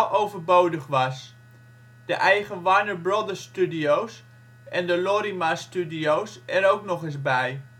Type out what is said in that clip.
overbodig was (de eigen Warner Brothers Studios en de Lorimar Studios er ook nog eens bij). Sony